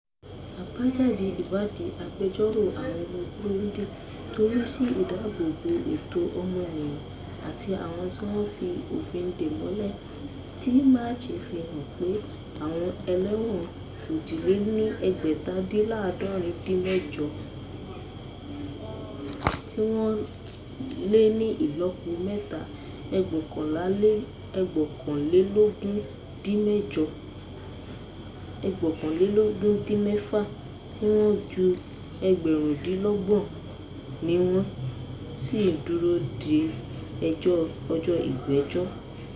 Àbájade ìwádìí Àgbáríjọ àwọn ọmọ Burundi tó ń rí sí dídábòòbo ẹ̀tọ́ ọmọniyàn àti àwọn tí wọ́n fi òfin dè mọ́lẹ̀ (APRODH) ti March fi hàn pé àwọn ẹlẹ́wọ̀n 13,532 ni Burundi, tí wọ́n lé ní ìlọ́po mẹ́ta 4,194; tí wọ́n ju 5,000 ni wọn ṣì ń dúró di ọjọ́ ìpẹ̀jọ́.